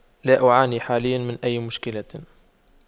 لا أعاني حاليا من أي مشكلة